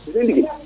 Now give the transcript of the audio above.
refe ndigil